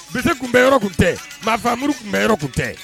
Bi tun bɛ yɔrɔ kun tɛ maa faamumuru tun bɛ yɔrɔ kun tɛ